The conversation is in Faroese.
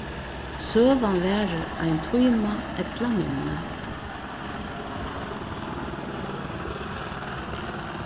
søgan varir ein tíma ella minni